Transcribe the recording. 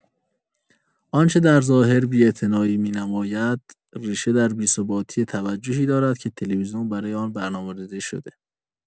آنچه در ظاهر بی‌اعتنایی می‌نماید، ریشه در بی‌ثباتی توجهی دارد که تلویزیون برای آن برنامه‌ریزی شده.